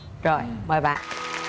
rồi mời bạn